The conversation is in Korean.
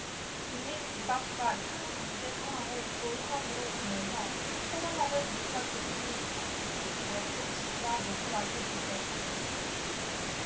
국민 대다수가 현 경제상황을 불황으로 보면서 체감하는 물가 수준이 정부 발표치보다 높다고 느꼈다